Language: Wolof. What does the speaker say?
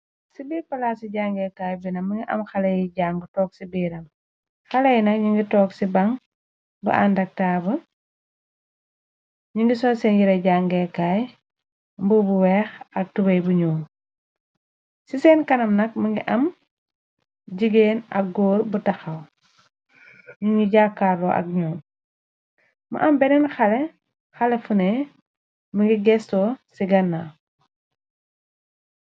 ci biirpalaa ci jangeekaay bina më ngi am xale yi jang toog ci biiram xaley na ñu ngi toog ci baŋ bu endaktaaba ñu ngi so seen jira jangeekaay mboo bu weex ak tubey bu ñuo ci seen kanam nag më ngi am jigéen ak góor bu taxaw ñu nu jàakaro ak ñoo ma am beneen xale fune mi ngi géstoo ci ganna